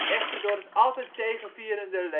echter door het Altijd Zegevierende